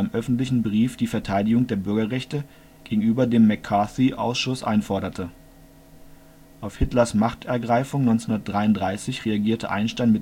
öffentlichen Brief die Verteidigung der Bürgerrechte gegenüber dem McCarthy-Ausschuss einforderte. Auf Hitlers Machtergreifung 1933 reagierte Einstein